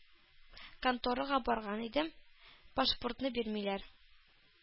Конторга барган идем, пашпуртны бирмиләр.